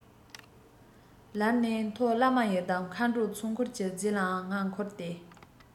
ལར ནས མཐོ བླ མ ཡི དམ མཁའ འགྲོའི ཚོགས འཁོར གྱི རྫས ལའང ང འཁོར སྟེ